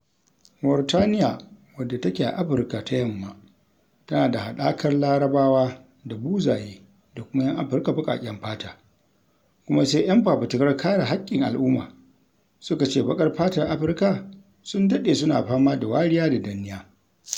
Mauritaniya wadda take a Afirka ta yamma tana da haɗakar Larabawa da Buzaye da kuma 'yan Afrika baƙaƙen fata, kuma sai 'yan fafutukar kare haƙƙin al'umma suka ce baƙar fatan Afirka sun daɗe suna fama da wariya da danniya.